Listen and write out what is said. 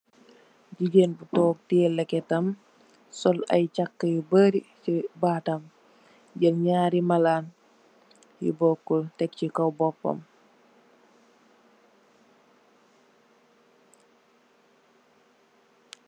Jigeen ju took, tiyeeh leketam, sol aye chax yu beuri chi baatam, jeul nyaari malaan yu bokul, tek chi kaw bopam.